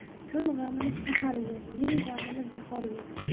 kun g'amini sahar ye yil g'amini bahor ye